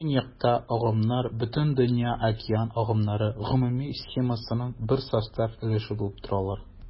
Көньякта агымнар Бөтендөнья океан агымнары гомуми схемасының бер состав өлеше булып торалар.